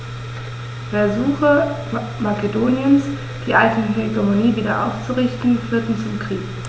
Versuche Makedoniens, die alte Hegemonie wieder aufzurichten, führten zum Krieg.